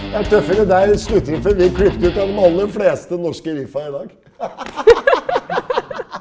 det er tøffere det her sluttriffet vi brukte dem aller fleste norske riffa i dag .